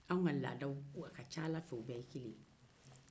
a ka ca ala fɛ anw ka laadaw bɛɛ ye kelen ye